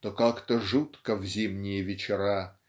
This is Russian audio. то как-то жутко в зимние вечера